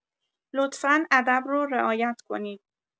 لطفا ادب رو رعایت کنید